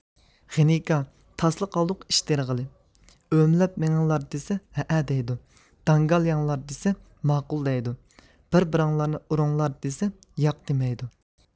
غېنىكا تاسلا قالدۇق ئېش تېرىغىلى ئۆمىلەپ مېڭىڭلار دېسە ھەئە دەيدۇ داڭگال يەڭلار دېسە ماقۇل دەيدۇ بىر بىرىڭلارنى ئۇرۇڭلار دېسە ياق دېمەيدۇ